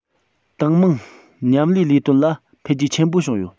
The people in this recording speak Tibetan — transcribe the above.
ཏང མང མཉམ ལས ལས དོན ལ འཕེལ རྒྱས ཆེན པོ བྱུང ཡོད